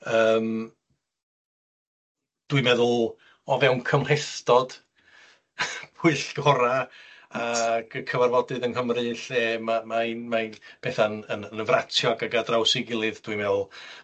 Yym dwi'n meddwl o fewn cymhlethdod pwyllgora' ag y cyfarfodydd yng Nghymru, lle ma' mae'n mae'n petha'n yn yn fratiog ag ar draws ei gilydd, dwi'n me'wl ...